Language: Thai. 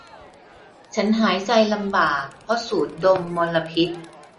ฉันหายใจลำบากเพราะสูดดมมลพิษ